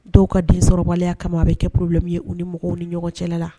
Dɔw ka densɔrɔbaliya kama a bɛ kɛ problème ye, u ni mɔgɔw ni ɲɔgɔn cɛla la.